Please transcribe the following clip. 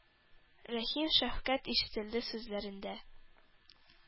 Рәхим, шәфкать ишетелде сүзләрендә.